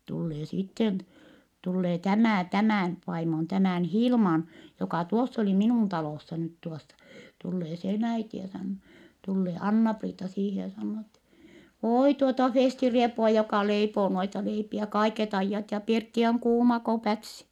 tulee sitten tulee tämä tämän vaimon tämän Hilman joka tuossa oli minun talossa nyt tuossa tulee sen äiti ja sanoo tulee Anna-Priita siihen ja sanoo että oi tuota Festi-riepua joka leipoo noita leipiä kaiket ajat ja pirtti on kuuma kuin pätsi